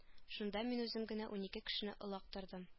Шунда мин үзем генә унике кешене олактырдым